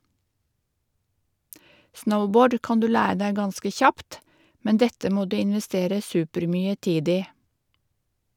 Snowboard kan du lære deg ganske kjapt, men dette må du investere supermye tid i.